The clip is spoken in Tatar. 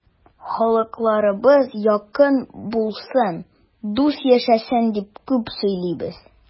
Халыкларыбыз якын булсын, дус яшәсен дип күп сөйлибез.